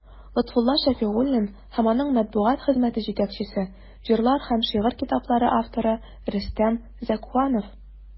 Лотфулла Шәфигуллин һәм аның матбугат хезмәте җитәкчесе, җырлар һәм шигырь китаплары авторы Рөстәм Зәкуанов.